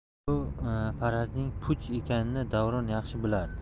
bu farazning puch ekanini davron yaxshi bilardi